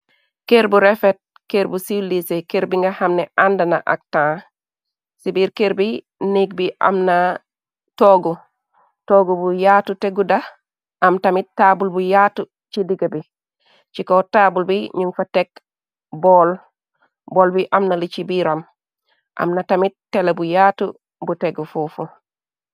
Ker bu refet, ker bu siwlise, ker bi nga xamne àndana ak tan, ci biir ker bi neeg bi am na toogu, toogu bu yaatu te gudda, am tamit taabul bu yaatu ci digga bi, ci kaw taabul bi, ñun fa tegg bool, bool bi amna li ci biiram, amna tamit télé bu yaatu bu tegu fuufu.